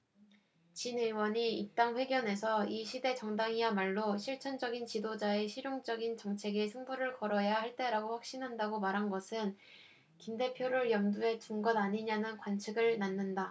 진 의원이 입당 회견에서 이 시대 정당이야말로 실천적인 지도자의 실용적인 정책에 승부를 걸어야 할 때라고 확신한다고 말한 것은 김 대표를 염두에 둔 것 아니냐는 관측을 낳는다